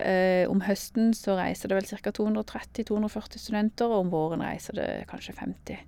Om høsten så reiser det vel cirka to hundre og tretti to hundre og førti studenter, og om våren reiser det kanskje femti.